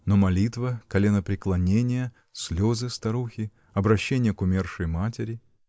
Но молитва, коленопреклонение, слезы старухи, обращение к умершей матери.